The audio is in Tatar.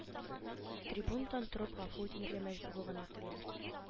Трибунадан торып гафу үтенергә мәҗбүр булганнар тегеләр